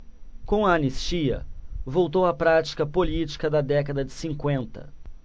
com a anistia voltou a prática política da década de cinquenta